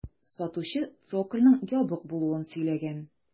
Сатучы цокольның ябык булуын сөйләгән.